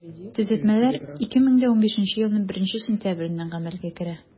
Төзәтмәләр 2015 елның 1 сентябреннән гамәлгә керә.